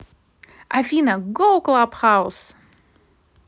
афина гоу club house